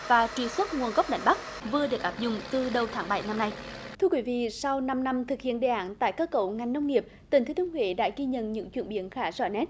vào truy xuất nguồn gốc đánh bắt vừa được áp dụng từ đầu tháng bảy năm nay thưa quý vị sau năm năm thực hiện đề án tái cơ cấu ngành nông nghiệp tỉnh thừa thiên huế đã ghi nhận những chuyển biến khá rõ nét